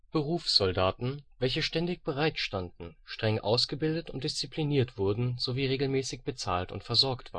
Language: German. Berufssoldaten, welche ständig bereit standen, streng ausgebildet und diszipliniert wurden sowie regelmäßig bezahlt und versorgt